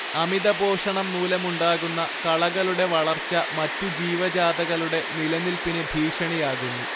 അമിതപോഷണം മൂലമുണ്ടാകുന്ന കളകളുടെ വളർച്ച മറ്റുജീവജാതകളുടെ നിലനിൽപിന് ഭീഷണിയാകുന്നു